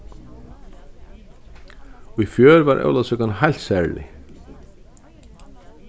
í fjør var ólavsøkan heilt serlig